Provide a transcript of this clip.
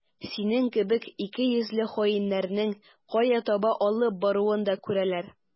Синең кебек икейөзле хаиннәрнең кая таба алып баруын да күрәләр.